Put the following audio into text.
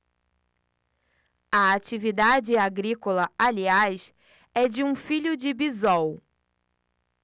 a atividade agrícola aliás é de um filho de bisol